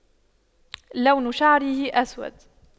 لون شعره أسود